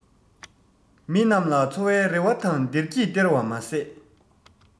མི རྣམས ལ འཚོ བའི རེ བ དང བདེ སྐྱིད སྟེར བར མ ཟད